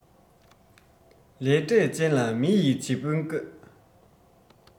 ལས འབྲས ཅན ལ མི ཡིས རྗེ དཔོན བསྐོས